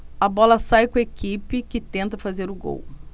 a bola sai com a equipe que tenta fazer o gol